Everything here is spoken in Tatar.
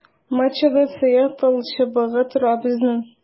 Матчада сыек талчыбыгы тора безнең.